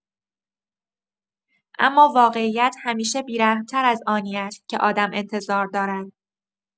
اما واقعیت همیشه بی‌رحم‌تر از آنی است که آدم انتظار دارد.